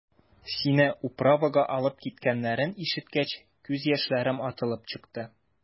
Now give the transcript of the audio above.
Сине «управа»га алып киткәннәрен ишеткәч, күз яшьләрем атылып чыкты.